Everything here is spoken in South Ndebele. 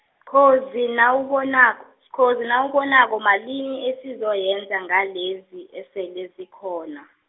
sikhozi nawubonak-, sikhozi nawubonako, malini esizoyenza, ngalezi esele zikhona.